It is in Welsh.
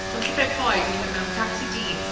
So falle pump oed o'n i'n mynd mewn tacsi du.